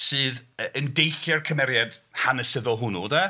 Sydd y- yn deillio o'r cymeriad hanesyddol hwnnw de.